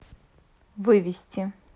вывести